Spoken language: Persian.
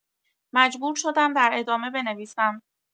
مجبور شدم در ادامه بنویسم